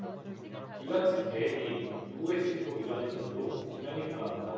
이 같은 계획이 누구의 지시로 이뤄졌는지도 분명히 드러납니다